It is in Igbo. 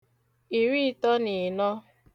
ìriịtọ nà ị̀nọ